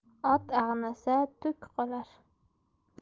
ot ag'nasa tuk qolar